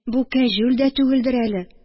Бу кәҗүл дә түгелдер әле